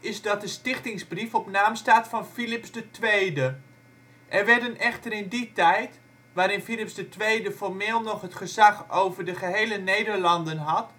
is dat de stichtingsbrief op naam staat van Filips II. Er werden echter in die tijd, waarin Filips II formeel nog het gezag over de gehele Nederlanden had,